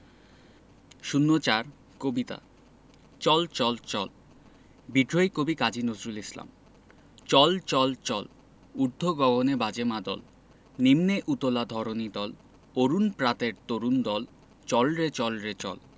০৪ কবিতা চল চল চল বিদ্রোহী কবি কাজী নজরুল ইসলাম চল চল চল ঊর্ধ্ব গগনে বাজে মাদল নিম্নে উতলা ধরণি তল অরুণ প্রাতের তরুণ দল চল রে চল রে চল